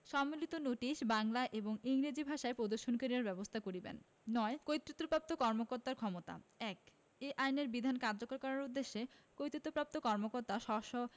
সম্বলিত নোটিশ বাংলা এবং ইংরেজী ভাষায় প্রদর্শন করিবার ব্যবস্থা করিবেন ৯ কর্তৃত্বপ্রাপ্ত কর্মকর্তার ক্ষমতাঃ ১ এই আইনের বিধান কার্যকর করার উদ্দেশ্যে কর্তৃত্বপ্রাপ্ত কর্মকর্তা স্ব স্ব